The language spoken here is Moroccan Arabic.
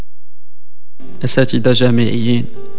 اساتذه جامعيين